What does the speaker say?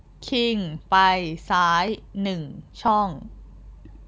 คิงไปซ้ายหนึ่งช่อง